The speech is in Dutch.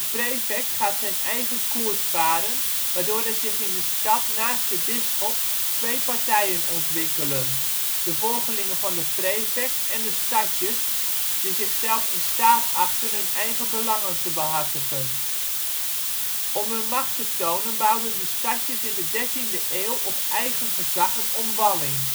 prefect gaat zijn eigen koers varen, waardoor er zich in de stad naast de bisschop twee partijen ontwikkelen, de volgelingen van de prefect, en de stadjers die zichzelf in staat achten hun eigen belangen te behartigen. Om hun macht te tonen bouwden de stadjers in de dertiende eeuw op eigen gezag een omwalling